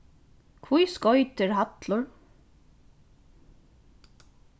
hví skeitir hallur